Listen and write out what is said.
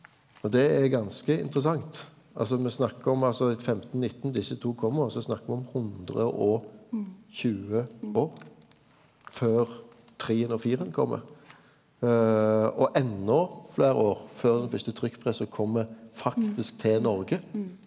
og det er ganske interessant altså me snakkar om altså 1519 desse to kjem og så snakkar me om 120 år før trearen og firaren kjem og ennå fleire år før den fyrste trykkpressa kjem faktisk til Noreg.